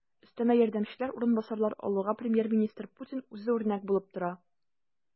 Өстәмә ярдәмчеләр, урынбасарлар алуга премьер-министр Путин үзе үрнәк булып тора.